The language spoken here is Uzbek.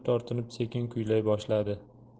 tortinib sekin kuylay boshladi